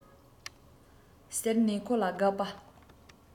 ཟེར ནས ཁོ ལ དགག པ